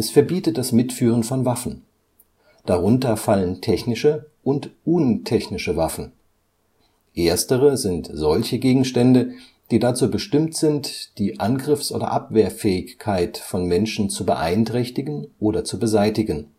verbietet das Mitführen von Waffen. Darunter fallen technische und untechnische Waffen. Erstere sind solche Gegenstände, die dazu bestimmt sind, die Angriffs - oder Abwehrfähigkeit von Menschen zu beeinträchtigen oder zu beseitigen